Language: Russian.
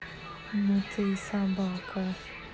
ну ты и собака